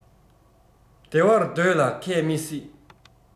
བདེ བར སྡོད ལ མཁས མི སྲིད